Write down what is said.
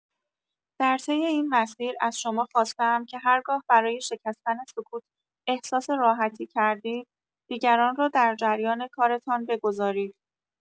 در طی این مسیر از شما خواسته‌ام که هرگاه برای شکستن سکوت احساس راحتی کردید، دیگران را در جریان کارتان بگذارید.